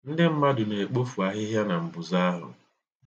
Ndị mmadụ na-ekpofu ahịhịa na mbuze ahụ